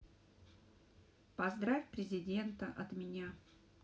поздравь президента от меня